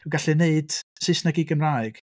Dwi'n gallu neud Saesneg i Gymraeg.